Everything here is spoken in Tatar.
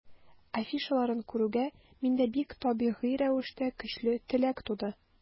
Афишаларын күрүгә, миндә бик табигый рәвештә көчле теләк туды.